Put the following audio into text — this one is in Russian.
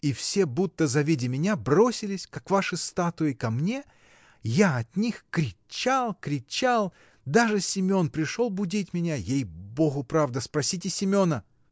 и все будто, завидя меня, бросились, как ваши статуи, ко мне, я от них: кричал, кричал, даже Семен пришел будить меня, — ей-богу, правда, спросите Семена!.